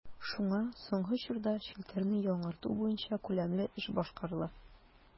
Шуңа соңгы чорда челтәрне яңарту буенча күләмле эш башкарыла.